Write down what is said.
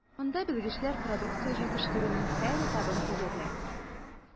Анда белгечләр продукция җитештерүнең һәр этабын күзәтә.